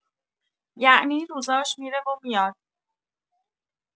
یعنی روزاش می‌ره و میاد.